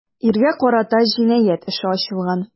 Иргә карата җинаять эше ачылган.